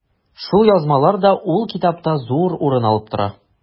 Шул язмалар да ул китапта зур урын алып тора.